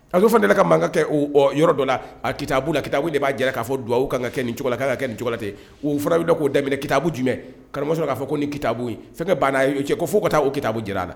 A fanala ka mankan kɛ yɔrɔ dɔ la a kitabu la ka kita de b'a jira k'a fɔ dugawu kan ka kɛ nin kan ka kɛ nin cogo ten o furaurada k'o daminɛ kibu jumɛn karamasa sɔrɔ k'a fɔ ko ni kita ye fɛn ka banna ye ko fo ka taa o kitabu jara a la